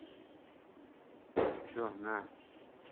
че на